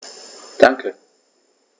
Danke.